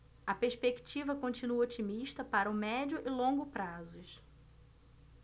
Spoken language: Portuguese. a perspectiva continua otimista para o médio e longo prazos